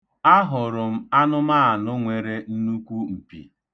Ahụrụ m anụmaanụ nwere nnukwu mpi.